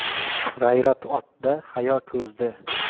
g'ayrat otda hayo ko'zda